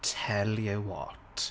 Tell. You. What.